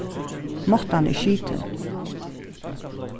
mottan er skitin